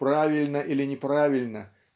правильно или неправильно